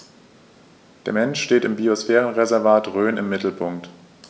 Der Mensch steht im Biosphärenreservat Rhön im Mittelpunkt.